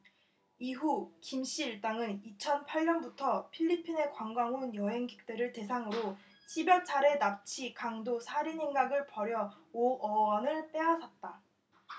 이후 김씨 일당은 이천 팔 년부터 필리핀에 관광온 여행객들을 대상으로 십 여 차례 납치 강도 살인 행각을 벌여 오 억원을 빼앗았다